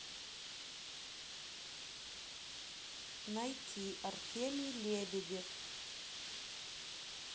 найти артемий лебедев